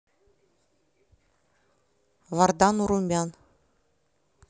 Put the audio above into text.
вардан урумян